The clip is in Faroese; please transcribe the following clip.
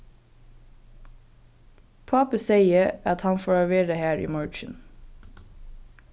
pápi segði at hann fór at vera har í morgin